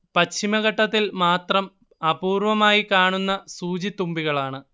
പശ്ചിമഘട്ടത്തിൽ മാത്രം അപൂർവ്വമായി കാണുന്ന സൂചിത്തുമ്പികളാണ്